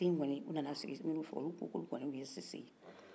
u nana sigin minun fɛ olu k'o k'olu kɔni tun ye sise ye